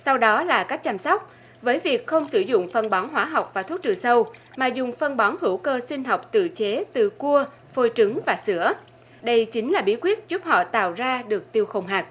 sau đó là cách chăm sóc với việc không sử dụng phân bón hóa học và thuốc trừ sâu mà dùng phân bón hữu cơ sinh học tự chế từ cua phôi trứng và sữa đây chính là bí quyết giúp họ tạo ra được tiêu không hạt